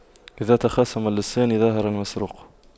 إذا تخاصم اللصان ظهر المسروق